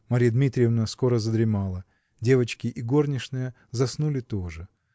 Марья Дмитриевна скоро задремала; девочки и горничная заснули тоже.